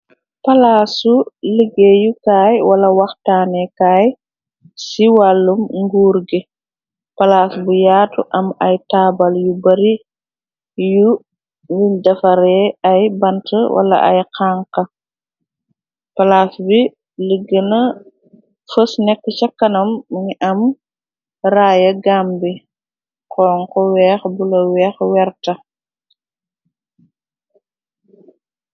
Palaasu liggéeyukaay wala waxtaanekaay ci wàllum nguur gi palaas bu yaatu am ay taabal yu bari yu nguñ defaree ay bant wala ay xanka palaas bi liggena fës nekk cakkanam mngi am raaya gàm bi kon ko weex bu la weex werta.